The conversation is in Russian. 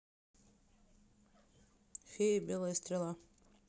фея белая стрела